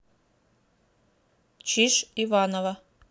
чиж иваново